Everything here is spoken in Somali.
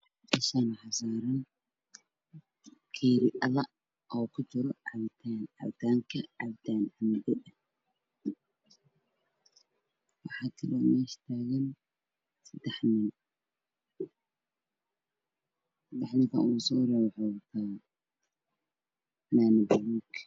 Meeshani waxaa saaran oo kujiro cabitaanka waxaa kaloo meeshani yaalo sixni